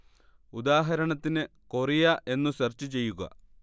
ഉദാഹരണത്തിന് കൊറിയ എന്നു സെർച്ച് ചെയ്യുക